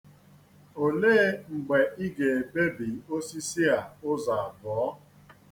Olee mgbe ị ga-ebebi osisi a ụzọ abụọ?